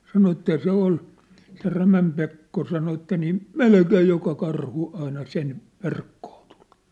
sanoi että se oli se Rämän Pekko sanoi että niin melkein joka karhu aina sen verkkoon tuli